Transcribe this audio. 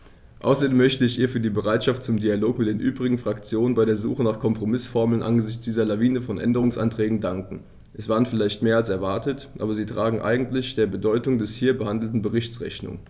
Außerdem möchte ich ihr für ihre Bereitschaft zum Dialog mit den übrigen Fraktionen bei der Suche nach Kompromißformeln angesichts dieser Lawine von Änderungsanträgen danken; es waren vielleicht mehr als erwartet, aber sie tragen eigentlich der Bedeutung des hier behandelten Berichts Rechnung.